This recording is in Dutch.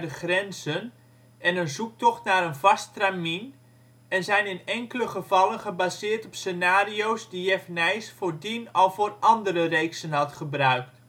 grenzen en een zoektocht naar een vast stramien, en zijn in enkele gevallen gebaseerd op scenario 's die Jef Nys voordien al voor andere reeksen had gebruikt